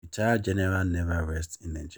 Retired generals never rest in Nigeria